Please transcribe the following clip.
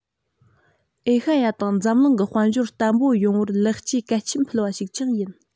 ཨེ ཤ ཡ དང འཛམ གླིང གི དཔལ འབྱོར བརྟན པོ ཡོང བར ལེགས སྐྱེས གལ ཆེན ཕུལ བ ཞིག ཀྱང ཡིན